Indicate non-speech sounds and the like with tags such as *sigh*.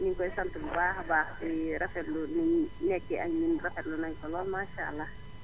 ñu ngi koy sant bu baax a baax *noise* di rafetlu ni mu nekkee ak ñun rafetlu nañu ko lool maasaa àllaa